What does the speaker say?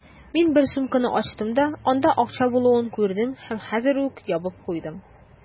Мин бер сумканы ачтым да, анда акча булуын күрдем һәм хәзер үк ябып куйдым.